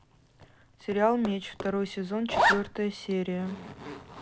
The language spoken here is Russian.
сериал меч второй сезон четвертая серия